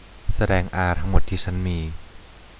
แสดงอาทั้งหมดที่ฉันมี